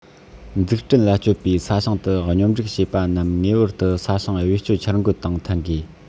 འཛུགས སྐྲུན ལ སྤྱོད པའི ས ཞིང དུ སྙོམས སྒྲིག བྱས པ རྣམས ངེས པར དུ ས ཞིང བེད སྤྱོད འཆར འགོད དང མཐུན དགོས